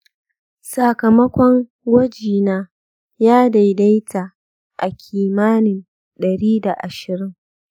sakamakon gwaji na ya daidaita a kimanin ɗari da ashirin.